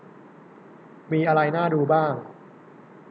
มีอะไรน่าดูบ้าง